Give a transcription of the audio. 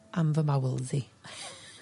am fy mowels i.